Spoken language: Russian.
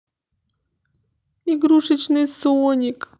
игрушечный соник